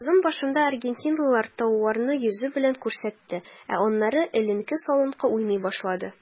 Сезон башында аргентинлылар тауарны йөзе белән күрсәтте, ә аннары эленке-салынкы уйный башлады.